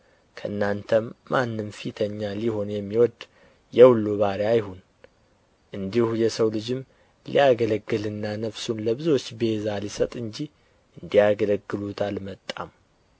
ከእናንተም ማንም ፊተኛ ሊሆን የሚወድ የሁሉ ባሪያ ይሁን እንዲሁ የሰው ልጅም ሊያገለግልና ነፍሱን ለብዙዎች ቤዛ ሊሰጥ እንጂ እንዲያገለግሉት አልመጣም